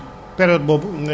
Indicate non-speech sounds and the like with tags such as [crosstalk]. [hesitation] [hesitation]